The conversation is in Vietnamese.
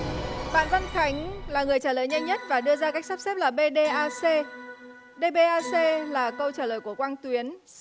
bạn văn khánh là người trả lời nhanh nhất và đưa ra cách sắp xếp là bê đê a xê đê bê a xê là câu trả lời của quang tuyến